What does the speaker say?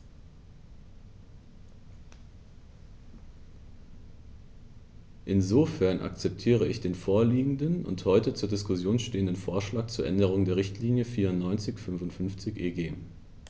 Insofern akzeptiere ich den vorliegenden und heute zur Diskussion stehenden Vorschlag zur Änderung der Richtlinie 94/55/EG.